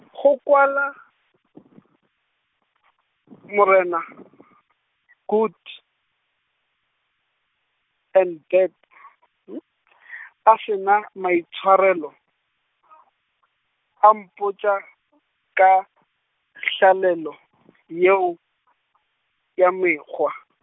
go kwala, Morena, Good and bad, , a se na maitshwarelo , a mpotša, -kahlalelo , yeo, ya mekgwa.